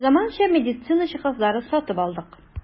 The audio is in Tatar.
Заманча медицина җиһазлары сатып алдык.